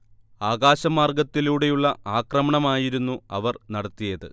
ആകാശമാർഗ്ഗത്തിലൂടെയുള്ള ആക്രമണമായിരുന്നു അവർ നടത്തിയത്